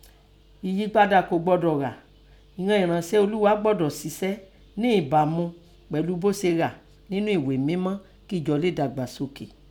Eyipada kọ́ gbọ́dọ̀ gha, ìghan ẹ̀ranse Olúgha gbọ́dọ̀ sise nẹ́ ẹ̀bamu pelu bó se ha ńnu eghe mimo kíjọ le dàgbà sókè.